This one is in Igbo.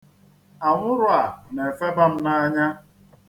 Anwụrụ a na-efeba m n'anya.